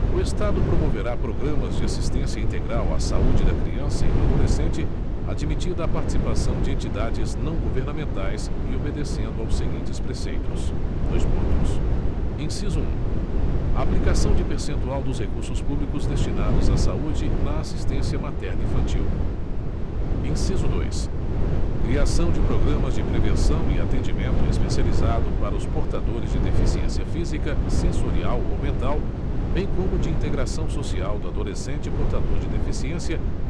o estado promoverá programas de assistência integral à saúde da criança e do adolescente admitida a participação de entidades não governamentais e obedecendo aos seguintes preceitos dois pontos inciso um aplicação de percentual dos recursos públicos destinados à saúde na assistência materno infantil inciso dois criação de programas de prevenção e atendimento especializado para os portadores de deficiência física sensorial ou mental bem como de integração social do adolescente portador de deficiência